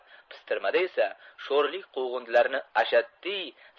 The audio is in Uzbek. pistirmada esa sho'rlik quvg'indilarni ashaddiy